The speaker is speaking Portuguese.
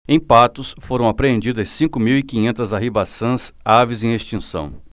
em patos foram apreendidas cinco mil e quinhentas arribaçãs aves em extinção